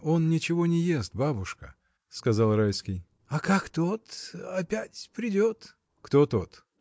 он ничего не ест, бабушка, — сказал Райский. — А как тот. опять придет? — Кто тот?